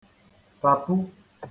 tapu